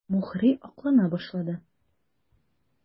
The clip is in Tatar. Мухрый аклана башлады.